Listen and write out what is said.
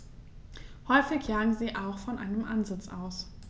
Häufig jagen sie auch von einem Ansitz aus.